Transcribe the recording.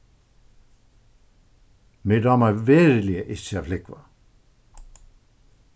mær dámar veruliga ikki at flúgva